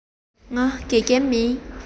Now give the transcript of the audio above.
ང དགེ རྒན མིན